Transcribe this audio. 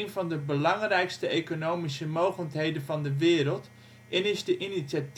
van de belangrijkste economische mogendheden van de wereld. De